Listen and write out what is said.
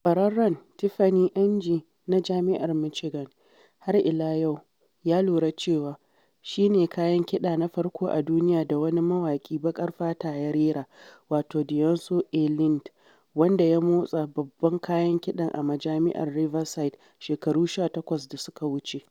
Kwararren, Tiffany Ng na Jami’ar Michigan, har ila yau ya lura cewa shi ne kayan kiɗa na farko a duniya da wani mawaki baƙar fata ya rera, wato Dionisio A. Lind, wanda ya motsa babban kayan kiɗan a Majami’ar Riverside shekaru 18 da suka wuce.